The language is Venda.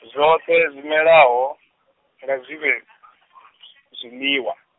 zwoṱhe zwimelaho, nga zwivhe, zwiḽiwa.